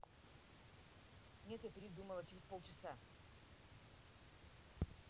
нет я передумала через полчаса